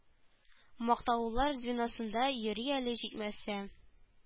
Мактаулылар звеносында йөри әле җитмәсә